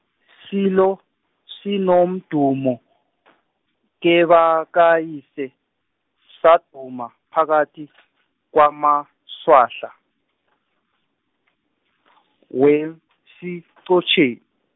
silo sinomdumo , kebakayise, saduma phakathi , kwamaswahla, weSichotjeni.